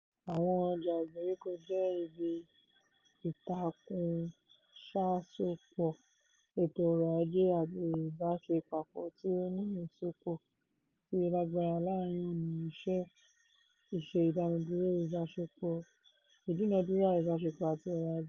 Àwọn ọjà ìgbèríko jẹ́ ibi ìtakùnṣàsopọ̀ ètò ọrọ̀-ajé àti ìbáṣe papọ̀ tí ó ní ìsopọ̀ tí ó lágbára láàárín ọ̀nà ìṣe ìdúnàádúrà ìbáṣepọ̀ àti ọrọ̀-ajé.